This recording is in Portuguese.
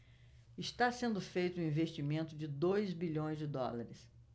está sendo feito um investimento de dois bilhões de dólares